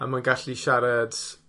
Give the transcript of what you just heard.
A mae'n gallu siarad